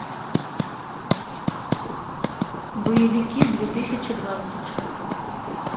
боевики две тысячи двадцать